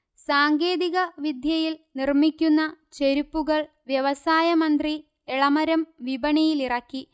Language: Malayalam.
സാങ്കേതികവിദ്യയിൽ നിർമിക്കുന്ന ചെരുപ്പുകൾ വ്യവസായമന്ത്രി എളമരം വിപണിയിലിറക്കി